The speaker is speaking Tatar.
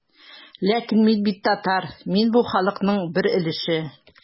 Ләкин мин бит татар, мин бу халыкның бер өлеше.